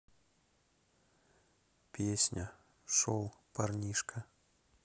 песня шел парнишка